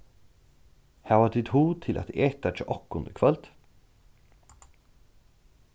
hava tit hug til at eta hjá okkum í kvøld